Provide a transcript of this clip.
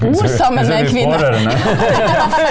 så så er vi pårørende .